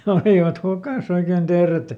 ja olivat hukassa oikein teeret